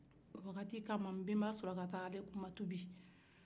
nin wati kama nbenba sulakata ale ma tubi